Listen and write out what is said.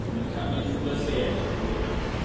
t'o' ma' 'di ca- ma' 'di ffindo'i lle nawr on'd yw e?